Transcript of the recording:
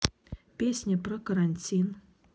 песня про карантин